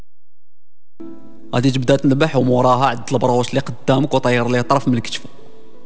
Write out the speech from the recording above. عجبتني بحوم وراها